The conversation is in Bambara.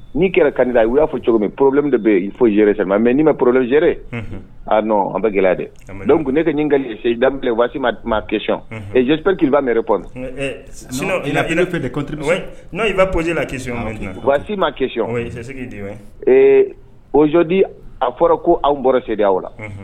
N'i kɛra kan la i u y'a fɔ cogo min porobilɛ de bɛ i fo yɛrɛ mɛ'i ma porolenere an bɛ gɛlɛya dɛ don kun ne tɛ ka da waati ma ma kec eeep kmep sun de n' waati ma ozodi a fɔra ko anw bɔra se aw la